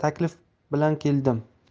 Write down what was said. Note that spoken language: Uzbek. taklif bilan keldim